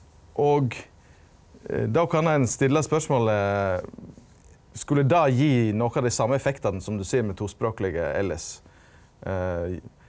og då kan ein stilla spørsmålet skulle det gi noko av dei same effektane som du ser med tospråklege elles?